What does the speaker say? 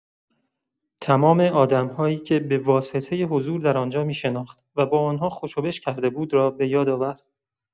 تمام آدم‌هایی که به واسطه حضور در آن‌جا می‌شناخت و با آن‌ها خوش‌وبش کرده بود را بۀاد آورد.